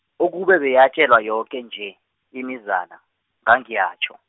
ukube beyetjelwa yoke nje, imizana ngangiyatjho.